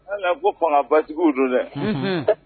An na ko fana bajuguw don dɛ